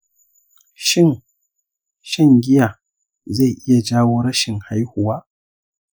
shin shan giya zai iya jawo rashin haihuwa?